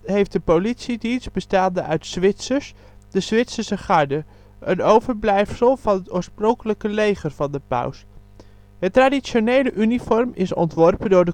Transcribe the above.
heeft een politiedienst bestaande uit Zwitsers, de Zwitserse garde, een overblijfsel van het oorspronkelijke leger van de paus. Het traditionele uniform is ontworpen door